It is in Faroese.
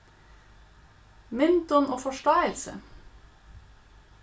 myndum og forstáilsi